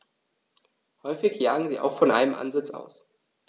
Häufig jagen sie auch von einem Ansitz aus.